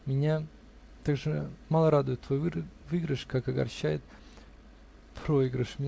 Меня так же мало радует твой выигрыш, как огорчает проигрыш